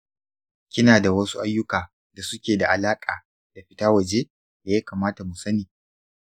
kina da wasu ayyuka da suke da alaƙa da fita waje da yakamata mu sani.